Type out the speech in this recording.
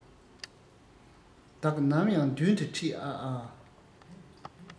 བདག ནམ ཡང མདུན དུ ཁྲིད ཨ ཨ